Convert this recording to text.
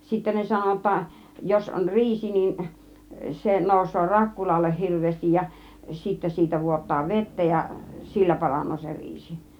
sitten ne sanoi jotta jos on riisi niin se nousee rakkulalle hirveästi ja sitten siitä vuotaa vettä ja sillä paranee se riisi